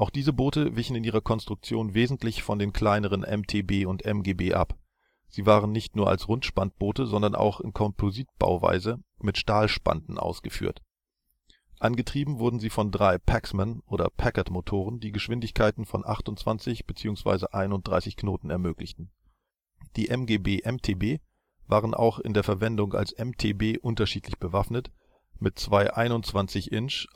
Diese Boote wichen in ihrer Konstruktion wesentlich von den kleineren MTB und MGB ab. Sie waren nicht nur als Rundspantboote, sondern auch in Kompositbauweise mit Stahlspanten ausgeführt. Angetrieben wurden sie von drei Paxman - oder Packardmotoren die Geschwindigkeiten von 28 bzw. 31 kn ermöglichten. Die MGB/MTB waren auch in der Verwendung als MTB unterschiedlich bewaffnet mit zwei 21 Inch